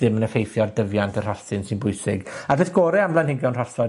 ddim yn effeithio ar dyfiant y rhosyn, sy'n bwysig, a peth gore am blanhigion rhosod